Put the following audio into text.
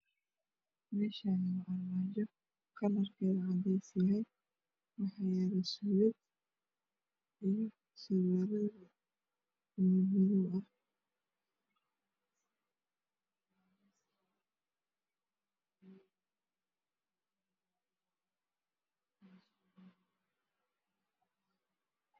Meeshani waa cadajo kalar keeduyahay cadaysyahay waxa yaalo suudh iyo surwaalo